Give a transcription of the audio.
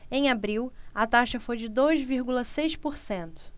em abril a taxa foi de dois vírgula seis por cento